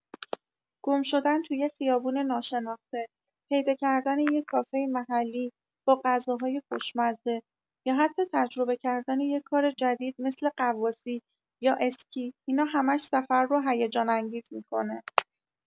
گم‌شدن تو یه خیابون ناشناخته، پیدا کردن یه کافه محلی با غذاهای خوشمزه، یا حتی تجربه کردن یه کار جدید مثل غواصی یا اسکی، اینا همش سفر رو هیجان‌انگیز می‌کنه.